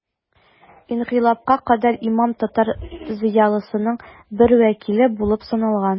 Инкыйлабка кадәр имам татар зыялысының бер вәкиле булып саналган.